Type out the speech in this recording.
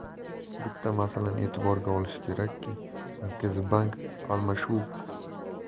bitta masalani e'tiborga olish kerak ki markaziy